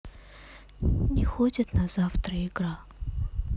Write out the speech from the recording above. не ходят на завтра игра